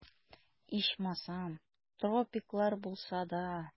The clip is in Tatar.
Ичмасам, тропиклар булса да...